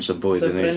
'Sa bwyd yn neis.